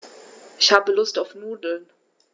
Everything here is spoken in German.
Ich habe Lust auf Nudeln.